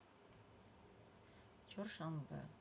чоршанбе